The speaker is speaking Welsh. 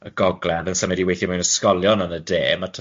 Y gogledd yn symud i weithio mewn ysgolion yn y de, ma'